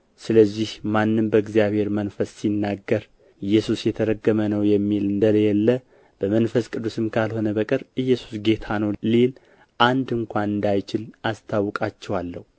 ስለዚህ ማንም በእግዚአብሔር መንፈስ ሲናገር ኢየሱስ የተረገመ ነው የሚል እንደሌለ በመንፈስ ቅዱስም ካልሆነ በቀር ኢየሱስ ጌታ ነው ሊል አንድ እንኳ እንዳይችል አስታውቃችኋለሁ